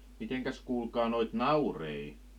mitenkäs kuulkaa noita nauriita